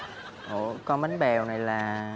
ủa con bánh bèo này là